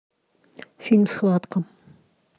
фильм схватка